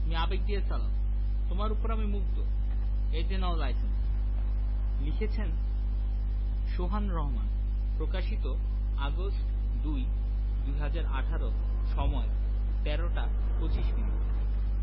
তুমি আবেগ দিয়া চালাও তোমার উপর আমি মুগ্ধ এই যে নাও লাইসেন্স... লিখেছেনঃ শোহান রাহমান প্রকাশিতঃ আগস্ট ২ ২০১৮ সময়ঃ ১৩টা ২৫ মিনিট